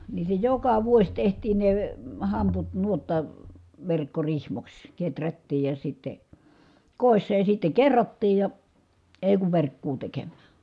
niin se joka vuosi tehtiin ne hamput - verkkorihmoiksi kehrättiin ja sitten kodissa ja sitten kerrottiin ja ei kun verkkoa tekemään